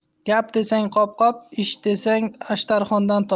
gap desang qop qop ish desang ashtarxondan top